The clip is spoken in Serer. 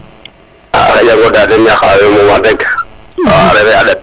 xaƴa nda wax deg refe a ɗat